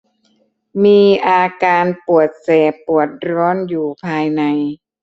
มีอาการปวดแสบปวดร้อนอยู่ภายใน